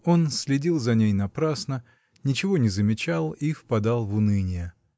Он следил за ней напрасно, ничего не замечал и впадал в уныние.